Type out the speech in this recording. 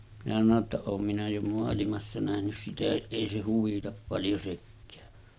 minä sanoin jotta olen minä jo maailmassa nähnyt sitäkin ei se huvita paljon sekään